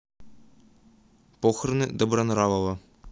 похороны добронравова